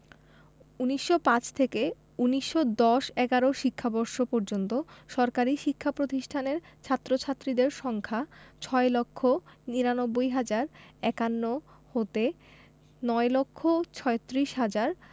১৯০৫ থেকে ১৯১০ ১১ শিক্ষাবর্ষ পর্যন্ত সরকারি শিক্ষা প্রতিষ্ঠানের ছাত্র ছাত্রীদের সংখ্যা ৬ লক্ষ ৯৯ হাজার ৫১ হতে ৯ লক্ষ ৩৬ হাজার